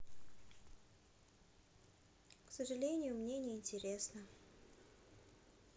к сожалению мне не интересно